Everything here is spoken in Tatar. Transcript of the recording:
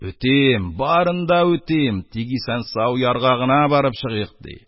Үтим, барын да үтим, тик исән-сау ярга гына барып чыгыйк, — ди.